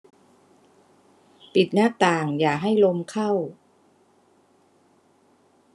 ปิดหน้าต่างอย่าให้ลมเข้า